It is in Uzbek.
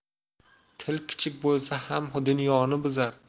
til kichik bo'lsa ham dunyoni buzar